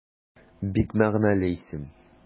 Бик мәгънәле исем.